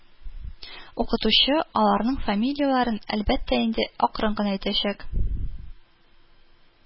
Укытучы аларның фамилияләрен, әлбәттә инде, акрын гына әйтәчәк